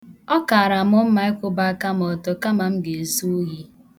Ọ kara m mma ịkwụba aka m ọtọ kama m ga-ezu ohi.